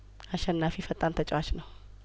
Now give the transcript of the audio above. አሸናፊ ፈጣን ተጨዋች ነው